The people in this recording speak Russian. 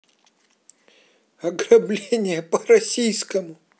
ограбление по российскому